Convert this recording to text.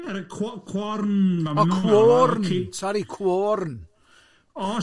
Ie cw- corn. Oh sori cworn!